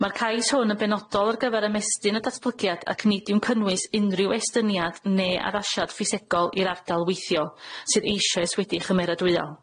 Ma'r cais hwn yn benodol ar gyfer ymestyn y datblygiad ac nid yw'n cynnwys unrhyw estyniad ne' addasiad ffisegol i'r ardal weithio sydd eisoes wedi'i chymeradwyo.